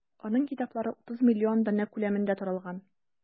Аның китаплары 30 миллион данә күләмендә таралган.